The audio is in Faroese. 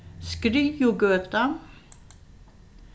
skriðugøta